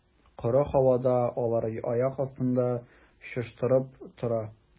Коры һавада алар аяк астында чыштырдап тора.